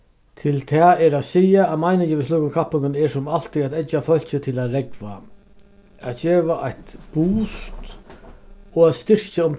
til tað er at siga at meiningin við slíkum kappingum er sum altíð at eggja fólki til at rógva at geva eitt boost og at styrkja um